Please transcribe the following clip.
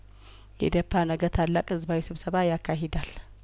ኤዴፓ ነገ ታላቅ ህዝባዊ ስብሰባ ያካሂዳል